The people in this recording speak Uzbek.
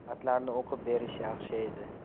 xatlarni o'qib berish yaxshi edi